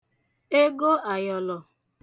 ego àyọ̀lọ̀